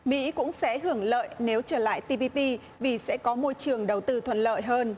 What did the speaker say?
mỹ cũng sẽ hưởng lợi nếu trở lại ti pi pi vì sẽ có môi trường đầu tư thuận lợi hơn